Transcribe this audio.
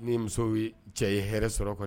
Ni musow ye cɛ ye hɛrɛ sɔrɔ kɔnɔ!